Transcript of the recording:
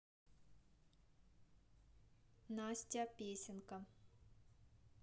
настя песенка